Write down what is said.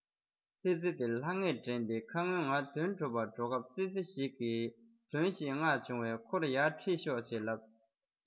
བྱས པས གཡོག པོ རྙིང པ དེའི སེམས ལ སྔར གྱི ཙི ཙི དེ ལྷང ངེར དྲན ཏེ ཁ སྔོན ང དོན སྒྲུབ པར འགྲོ སྐབས ཙི ཙི ཞིག གིས དོན ཞིག མངགས བྱུང བས ཁོ ཡར ཁྲིད ཤོག ཅེས ལབ